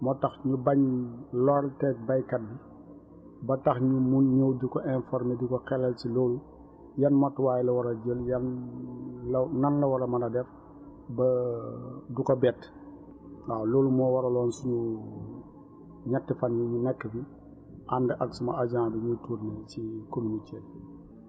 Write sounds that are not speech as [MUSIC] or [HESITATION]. moo tax ñu bañ lorte baykat bi ba tax ñu mun ñëw di ko informer di ko xelal si loolu yan matuwaay la war a jël yan [HESITATION] la nan la war a mën a def ba [HESITATION] du ko bett waaw loolu moo waraloon suñu ñett fan yii ñu nekk fi ànd ak sama agent bi ñuy tourner ci commune Thiel bi